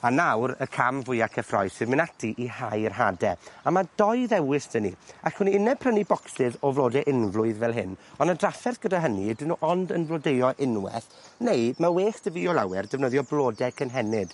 A nawr y cam fwya cyffrous sy'n mynd ati i hau'r hade a ma' doi ddewis da ni, allwn i unne prynu bocsydd o flode unflwydd fel hyn ond yn drafferth gyda hynny ydyn n'w ond yn flodeuo unwaith neu ma' well dy fi o lawer defnyddio blode cynhennid.